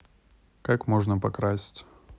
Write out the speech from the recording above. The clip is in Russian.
как можно покрасить